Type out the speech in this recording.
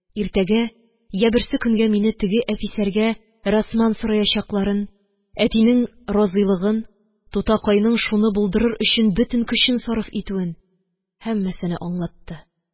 Иртәгә йә берсекөнгә мине теге әфисәргә рәсман сораячакларын, әтинең разыйлыгын, тутакайның шуны булдырыр өчен бөтен көчен сарыф итүен, һәммәсене аңлатты.